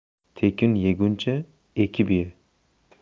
tekin yeguncha ekib ye